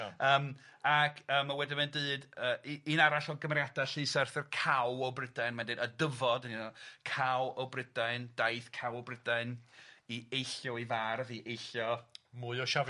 Yym ac yy ma' wedyn mae'n deud yy u- un arall o gymeriada llys Arthur Caw o Brydain, mae'n deud y dyfod, you know Caw o Brydain daeth Caw o Brydain i eillio 'i fardd, i eillio... Mwy o Siafio.